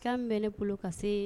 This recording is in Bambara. ' bɛɛlɛ bolo ka ye